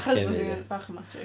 Achos bod hi'n bach o magic.